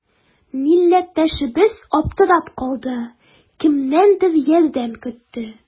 Милләттәшебез аптырап калды, кемнәндер ярдәм көтте.